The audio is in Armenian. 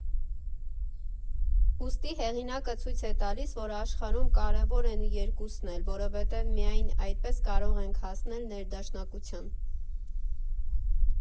Ուստի հեղինակը ցույց է տալիս, որ աշխարհում կարևոր են երկուսն էլ, որովհետև միայն այդպես կարող ենք հասնել ներդաշնակության։